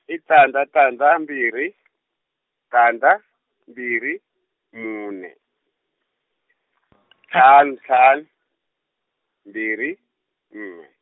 i tandza tandza mbirhi , tandza, mbirhi, mune, ntlhanu ntlhanu, mbirhi, n'we.